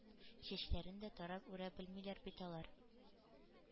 Чәчләрен дә тарап үрә белмиләр бит алар...